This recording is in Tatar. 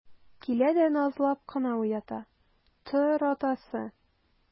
Килә дә назлап кына уята: - Тор, атасы!